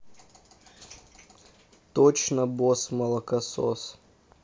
точно босс молокосос